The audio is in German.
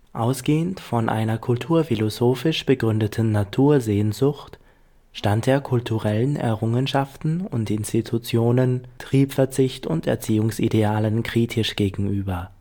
Ausgehend von einer kulturphilosophisch begründeten „ Natursehnsucht “stand er kulturellen Errungenschaften und Institutionen, Triebverzicht und Erziehungsidealen kritisch gegenüber